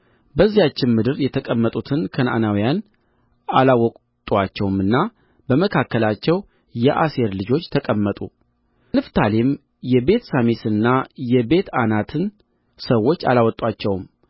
በዚያችም ምድር የተቀመጡትን ከነዓናውያን አላወጡአቸውምና በመካከላቸው የአሴር ልጆች ተቀመጡ ንፍታሌምም የቤትሳሚስንና የቤትዓናትን ሰዎች አላወጣቸውም